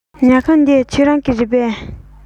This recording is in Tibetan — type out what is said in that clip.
ཉལ ཁང འདི ཁྱེད རང གི རེད པས